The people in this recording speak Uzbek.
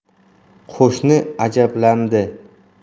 qo'shni ajablandi